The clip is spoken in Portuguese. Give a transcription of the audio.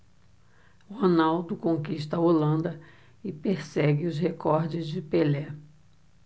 ronaldo conquista a holanda e persegue os recordes de pelé